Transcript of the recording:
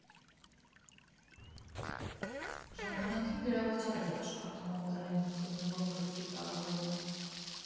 Ժամանակին գրավաճառ էի աշխատում Օպերայի մոտ գտնվող գրքի տաղավարում։